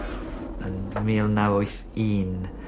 ...yn mil naw wyth un.